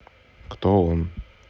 кто он